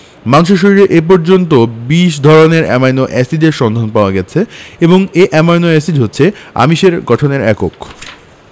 মানুষের শরীরে এ পর্যন্ত ২০ ধরনের অ্যামাইনো এসিডের সন্ধান পাওয়া গেছে এবং এই অ্যামাইনো এসিড হচ্ছে আমিষ গঠনের একক